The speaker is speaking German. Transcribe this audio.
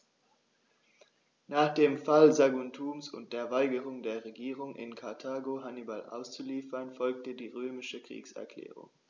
Nach dem Fall Saguntums und der Weigerung der Regierung in Karthago, Hannibal auszuliefern, folgte die römische Kriegserklärung.